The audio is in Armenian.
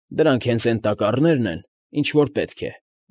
Դրանք հենց էն տակառներն են, ինչ որ պետք է։